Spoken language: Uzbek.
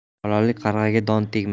bolalik qarg'aga don tegmas